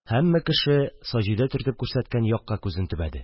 Һәммә кеше Саҗидә төртеп күрсәткән якка күзен төбәде.